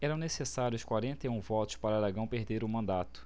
eram necessários quarenta e um votos para aragão perder o mandato